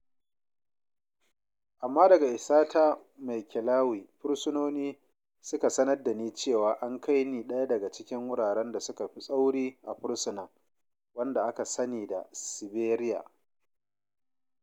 Amma daga isata Maekelawi, fursunoni suka sanar dani cewa an kai ni ɗaya daga cikin wuraren da suka fi tsauri a fursunan, wanda aka sani da "Siberia".